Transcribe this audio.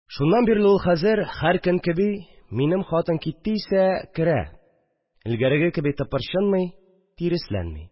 Шуннан бирле ул хәзер, һәр көн кеби, минем хатын китте исә керә, элгәреге кеби тыпырчынмый, тиресләнми